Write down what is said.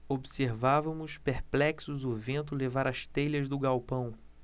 observávamos perplexos o vento levar as telhas do galpão